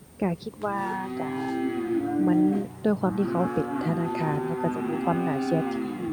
ก็คิดว่าก็ เหมือนด้วยความที่เขาเป็นธนาคารเขาก็จะมีความน่าเชื่อถือ